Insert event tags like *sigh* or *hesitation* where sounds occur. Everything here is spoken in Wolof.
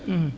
*hesitation* *hesitation*